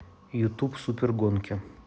ютуб супер гонки